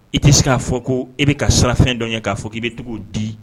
I tɛ se k'a fɔ ko i bɛ ka sirafɛn dɔn yan k'a fɔ k ii bɛ tugu di